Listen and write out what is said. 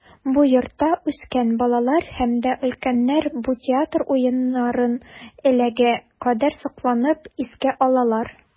Бу йортта үскән балалар һәм дә өлкәннәр бу театр уеннарын әлегә кадәр сокланып искә алалар.